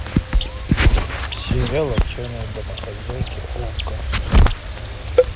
сериал отчаянные домохозяйки окко